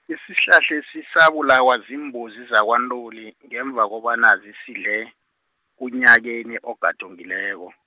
isihlahlesi sabulawa ziimbuzi zakwaNtuli, ngemva kobana zisidle, unyakeni ogadungileko.